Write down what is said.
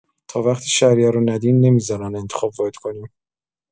تا وقتی شهریه رو ندیم نمی‌ذارن انتخاب واحد کنیم.